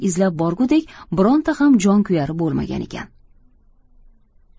izlab borgudek bironta ham jonkuyari bo'lmagan ekan